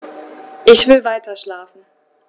Ich will weiterschlafen.